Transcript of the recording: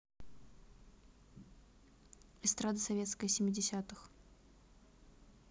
эстрада советская семидесятых